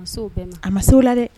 A ma se la dɛ